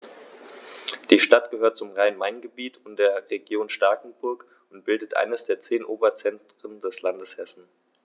Die Stadt gehört zum Rhein-Main-Gebiet und der Region Starkenburg und bildet eines der zehn Oberzentren des Landes Hessen.